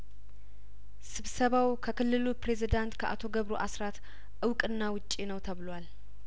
ስብሰባው ከክልሉ ፕሬዝዳንት ከአቶ ገብሩ አስራት እውቅና ውጪ ነው ተብሏል